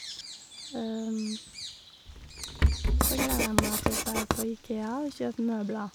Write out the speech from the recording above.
Og så gleder jeg meg til å fær på IKEA og kjøpe møbler.